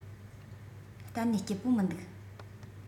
གཏན ནས སྐྱིད པོ མི འདུག